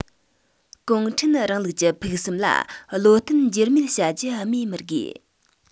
གུང ཁྲན རིང ལུགས ཀྱི ཕུགས བསམ ལ བློ བརྟན འགྱུར མེད བྱ རྒྱུ སྨོས མི དགོས